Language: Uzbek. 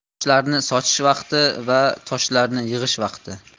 toshlarni sochish vaqti va toshlarni yig'ish vaqti